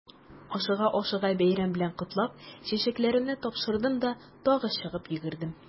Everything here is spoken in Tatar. Ашыга-ашыга бәйрәм белән котлап, чәчәкләремне тапшырдым да тагы чыгып йөгердем.